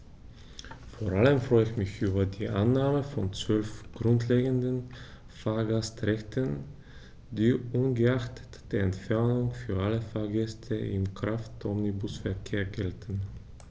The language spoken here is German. Vor allem freue ich mich über die Annahme von 12 grundlegenden Fahrgastrechten, die ungeachtet der Entfernung für alle Fahrgäste im Kraftomnibusverkehr gelten.